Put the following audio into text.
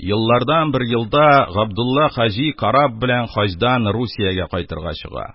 Еллардан бер елда Габдулла хаҗи караб белән хаҗдан Русиягә кайтырга чыга.